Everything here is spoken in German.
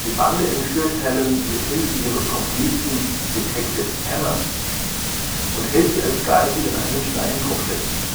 Bande entführt Helen mit Hilfe ihres Komplizen Detective Emerson und hält sie als Geisel in einem Steinbruch fest